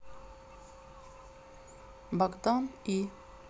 богдан и